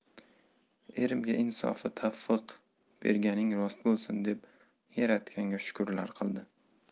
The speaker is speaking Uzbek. erimga insofu tavfiq berganing rost bo'lsin deb yaratganga shukrlar qildi